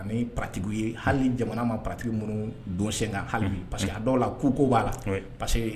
Anitigi ye hali jamana ma patigi minnu don sen kan hali pa que a dɔw la ko ko'a la parce que